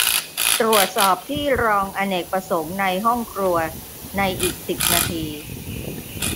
ตรวจสอบที่รองอเนกประสงค์ในห้องครัวในอีกสิบนาที